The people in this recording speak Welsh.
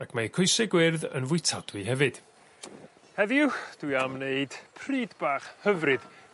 Ac mae eu coesau gwyrdd yn fwytadwy hefyd. Heddiw dwi am neud pryd bach hyfryd